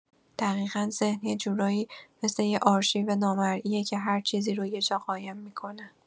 دقیقا، ذهن یه جورایی مثل یه آرشیو نامرئیه که هر چیزی رو یه جا قایم می‌کنه.